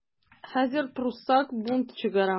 Хәзер пруссак бунт чыгара.